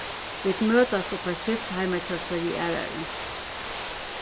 vit møtast upp á skift heima hjá hvørji aðrari